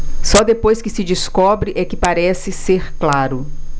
só depois que se descobre é que parece ser claro